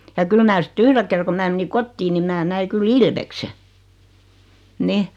ja kyllä minä sitten yhden kerran kun minä menin kotiin niin minä näin kyllä ilveksen niin